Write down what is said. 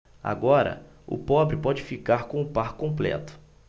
agora o pobre pode ficar com o par completo